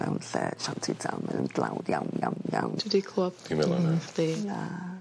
yy mewn lle shanty town mae o'n dlawd iawn iawn iawn. Dwi 'di clwad... Fi'n meddwl wnna. ...chdi. Na...